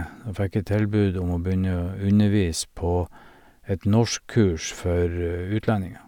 Da fikk jeg tilbud om å begynne å undervise på et norskkurs for utlendinger.